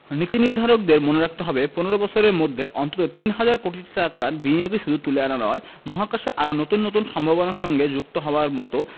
নীতিনির্ধারকদের মনে রাখতে হবে ১৫ বছরের মধ্যে অন্তত তিন হাজার কোটি টাকার বিনিয়োগই শুধু তুলে আনা নয় মহাকাশে আরও নতুন নতুন সম্ভাবনার সঙ্গে যুক্ত হওয়ার মতো